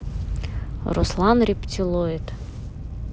руслан рептилоид